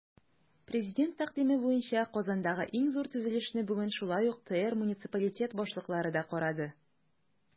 Президент тәкъдиме буенча Казандагы иң зур төзелешне бүген шулай ук ТР муниципалитет башлыклары да карады.